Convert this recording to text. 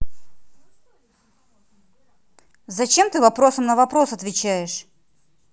зачем ты вопросом на вопрос отвечаешь